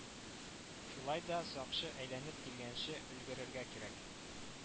Шулай да, сакчы әйләнеп килгәнче өлгерергә кирәк